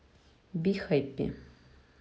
би хэппи